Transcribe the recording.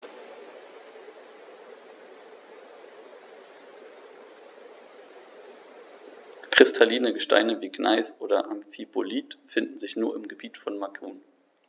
Kristalline Gesteine wie Gneis oder Amphibolit finden sich nur im Gebiet von Macun.